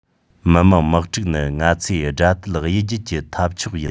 མི དམངས དམག འཁྲུག ནི ང ཚོས དགྲ བཏུལ གཡུལ རྒྱལ གྱི ཐབས མཆོག ཡིན